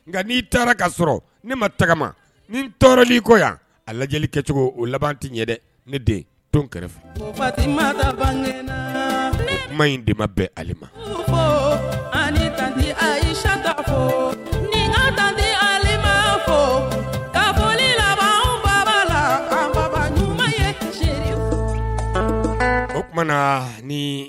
Nka n'i taara ka sɔrɔ ne ma tagama ni tɔɔrɔliko yan a lajɛli kɛcogo o labanti ɲɛ dɛ ne den nton kɛrɛfɛti ba kuma in de ma bɛ ale ma aniti ayisaka ko ni a ma ko ko laban baba la ɲuman ye o tumaumana na ni